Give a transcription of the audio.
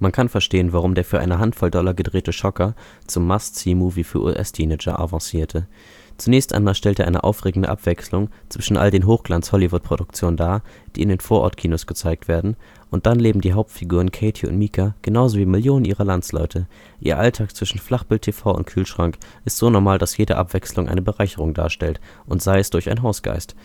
kann verstehen, warum der für eine Handvoll Dollar gedrehte Schocker zum Must-See-Movie für US-Teenager avancierte. Zunächst einmal stellt er eine aufregende Abwechslung zwischen all den Hochglanz-Hollywood-Produktionen dar, die in den Vorortkinos gezeigt werden. Und dann leben die Hauptfiguren Katie und Micah genau wie Millionen ihrer Landsleute. Ihr Alltag zwischen Flachbild-TV und Kühlschrank ist so normal, dass jede Abwechslung eine Bereicherung darstellt – und sei es durch einen Hausgeist